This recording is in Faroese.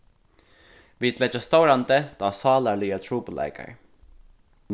vit leggja stóran dent á sálarligar trupulleikar